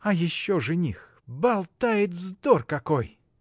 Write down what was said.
— А еще жених — болтает вздор какой!